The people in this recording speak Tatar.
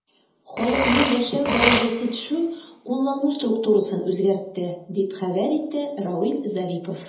Халыкның яшәү дәрәҗәсе төшү куллану структурасын үзгәртте, дип хәбәр итте Равиль Зарипов.